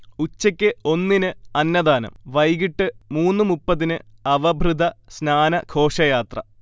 ഉച്ചക്ക് ഒന്നിന് അന്നദാനം വൈകീട്ട് മൂന്ന് മുപ്പതിന് അവഭൃഥ സ്നാന ഘോഷയാത്ര